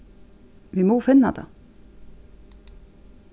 vit mugu finna tað